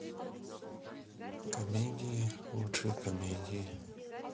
комедии лучшие комедии